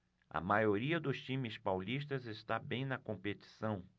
a maioria dos times paulistas está bem na competição